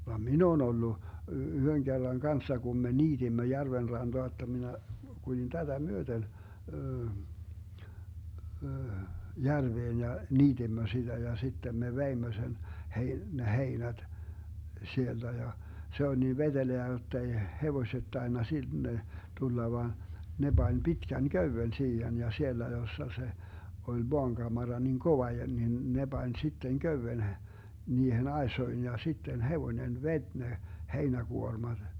vaan minä olen ollut yhden kerran kanssa kun me niitimme järven rantaa jotta minä kuljin tätä myöten järveen ja niitimme sitä ja sitten me veimme sen - ne heinät sieltä ja se oli niin vetelää jotta ei hevoset tainnut sinne tulla vaan ne pani pitkän köyden siihen ja siellä jossa se oli maankamara niin kova ja niin ne pani sitten köyden - niihin aisoihin ja sitten hevonen veti ne heinäkuormat